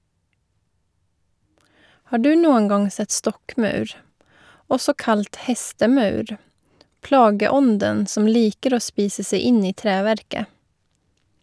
Har du noen gang sett stokkmaur, også kalt hestemaur, plageånden som liker å spise seg inn i treverket?